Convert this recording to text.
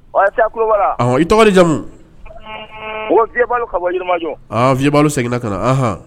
I tɔgɔ jamumu ko v bɔ seginna ka na anɔn